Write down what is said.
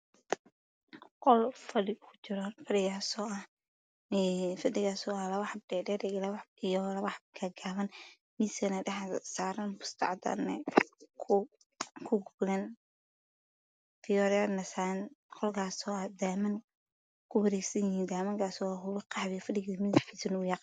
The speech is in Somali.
Qol ku jiran fadhi fadhigaas Oo ah labo xabo dhaadheer iyo labo xabo ga gab ah iyo daahyo qaxwi ah